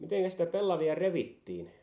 mitenkäs niitä pellavia revittiin